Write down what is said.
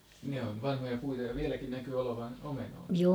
ne on vanhoja puita ja vieläkin näkyy olevan omenoita